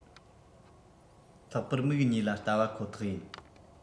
ལྷག པར མིག གཉིས ལ བལྟ བ ཁོ ཐག ཡིན